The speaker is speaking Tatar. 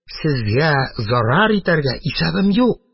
Сезгә зарар итәргә исәбем юк.